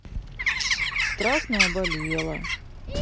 страстная болела